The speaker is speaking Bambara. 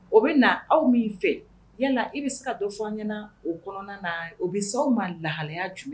U bɛ na aw min fɛ yala i bɛ se ka dɔ fɔ an ɲɛna o kɔnɔna na u bɛ se aw ma lahalaya jumɛn